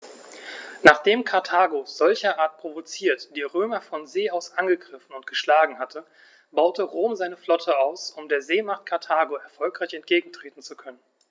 Nachdem Karthago, solcherart provoziert, die Römer von See aus angegriffen und geschlagen hatte, baute Rom seine Flotte aus, um der Seemacht Karthago erfolgreich entgegentreten zu können.